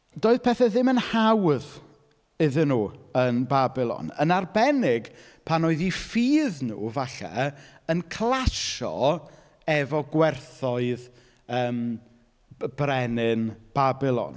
Doedd pethe ddim yn hawdd iddyn nhw yn Babilon, yn arbennig pan oedd eu ffydd nhw, falle, yn clasio efo gwerthoedd, yym, b- brenin Babilon.